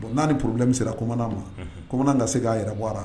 Bon n'a ni plɛmi sera koman ma koman ka se k'a yɛrɛ bɔra